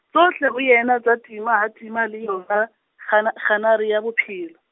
tsohle ho yena tsa tima ha tima le yona, kgana- kganare ya bophelo.